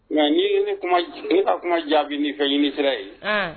Nka ni ka kuma jaabi nin fɛ ɲini fɛrɛ ye